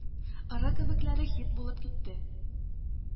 Ыры кебекләре хит булып китте